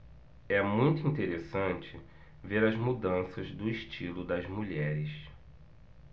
é muito interessante ver as mudanças do estilo das mulheres